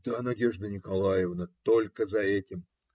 - Да, Надежда Николаевна, только за этим.